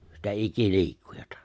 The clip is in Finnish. sitä ikiliikkujaa